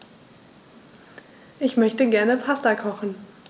Ich möchte gerne Pasta kochen.